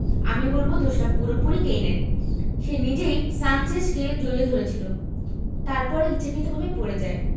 আমি বলব দোষটা পুরোপুরি কেইনের সে নিজেই সানচেজকে জড়িয়ে ধরেছিল তারপরে ইচ্ছাকৃতভাবে পড়ে যায়